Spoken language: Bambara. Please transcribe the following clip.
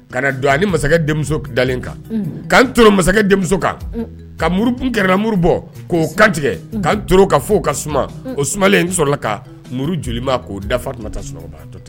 Ka don masakɛ denmuso dalen kan kaan tora masakɛ denmuso kan ka muru kun kɛrarɛn muru bɔ k'o kantigɛ ka'an tora ka fɔ ka suma olen sɔrɔla ka muru joli k'o dafa tun sunɔgɔ